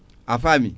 a faami